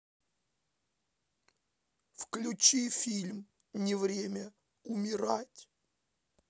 включи фильм не время умирать